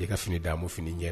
I ka fini damu fini ɲɛna